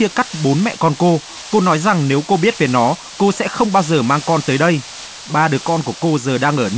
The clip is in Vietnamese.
chia cắt bốn mẹ con cô cô nói rằng nếu cô biết về nó cô sẽ không bao giờ mang con tới đây ba đứa con của cô giờ đang ở niu